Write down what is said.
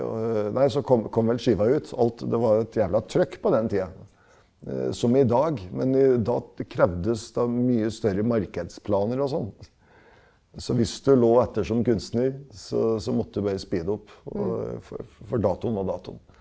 og nei så kom kom vel skiva ut, alt det var et jævla trykk på den tida som i dag men i da krevdes det mye større markedsplaner og sånn, så hvis du lå etter som kunstner så så måtte du bare speede opp for for datoen var datoen.